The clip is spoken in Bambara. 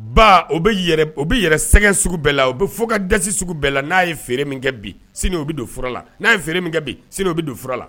Ba o bɛ u bɛ yɛrɛ sɛgɛ sugu bɛɛ la u bɛ fo ka dasi sugu bɛɛ la n'a ye feere min kɛ bi sini u bɛ don fura la n'a ye feere min kɛ bi sini u bɛ don fura la